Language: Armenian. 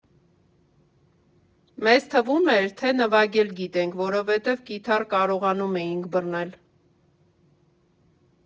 Մեզ թվում էր, թե նվագել գիտենք, որովհետև կիթառ կարողանում էինք բռնել։